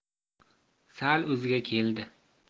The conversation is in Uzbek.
sal o'ziga keldi